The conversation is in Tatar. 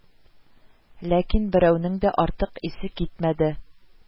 Ләкин берәүнең дә артык исе китмәде